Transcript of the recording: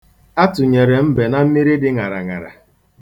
A tụnyere mbe na mmiri dị ṅaraṅara.